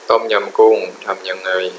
ต้มยำกุ้งทำยังไง